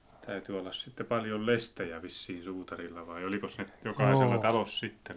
täytyi olla sitten paljon lestejä vissiin suutarilla vai olikos ne jokaisella talossa itsellä